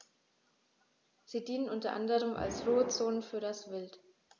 Sie dienen unter anderem als Ruhezonen für das Wild.